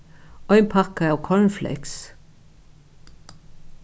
ein pakka av kornfleks